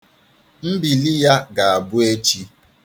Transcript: Mbili ya ga-abụ echi.